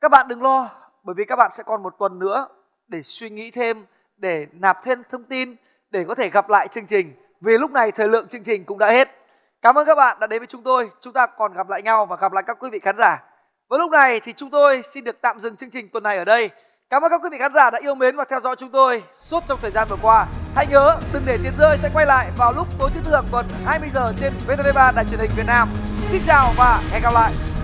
các bạn đừng lo bởi vì các bạn sẽ còn một tuần nữa để suy nghĩ thêm để nạp thêm thông tin để có thể gặp lại chương trình vì lúc này thời lượng chương trình cũng đã hết cảm ơn các bạn đã đến với chúng tôi chúng ta còn gặp lại nhau và gặp lại các quý vị khán giả vào lúc này thì chúng tôi xin được tạm dừng chương trình tuần này ở đây cám ơn các quý vị khán giả đã yêu mến và theo dõi chúng tôi suốt trong thời gian vừa qua hãy nhớ đừng để tiền rơi sẽ quay lại vào lúc tối thứ tư hàng tuần hai mươi giờ trên vê tê vê ba đài truyền hình việt nam xin chào và hẹn gặp lại